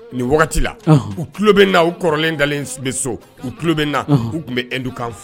Nin wagati la u tulolo bɛ na u kɔrɔlen dalen tun bɛ so u tulo bɛ na u tun bɛ edikan fɔ